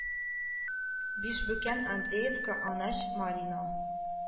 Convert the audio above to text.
Бишбүкән Андреевка, Анач, Марино